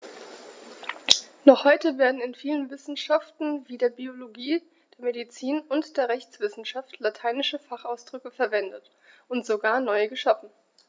Noch heute werden in vielen Wissenschaften wie der Biologie, der Medizin und der Rechtswissenschaft lateinische Fachausdrücke verwendet und sogar neu geschaffen.